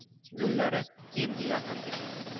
yo'llari endi yaqin edi